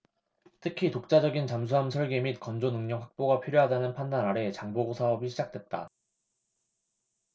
특히 독자적인 잠수함 설계 및 건조 능력 확보가 필요하다는 판단아래 장보고 사업이 시작됐다